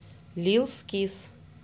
лил скис